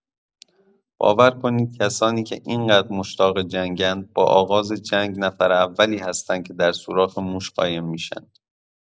باور کنید کسانیکه اینقدر مشتاق جنگند با آغاز جنگ نفر اولی هستند که در سوراخ موش قایم میشند.